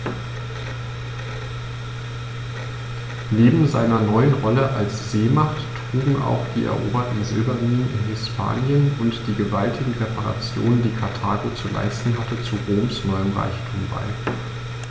Neben seiner neuen Rolle als Seemacht trugen auch die eroberten Silberminen in Hispanien und die gewaltigen Reparationen, die Karthago zu leisten hatte, zu Roms neuem Reichtum bei.